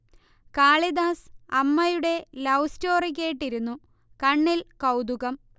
കാളിദാസ് അമ്മയുടെ love story കേട്ടിരുന്നു കണ്ണിൽ കൗതുകം